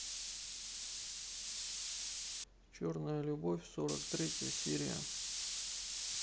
черная любовь сорок третья серия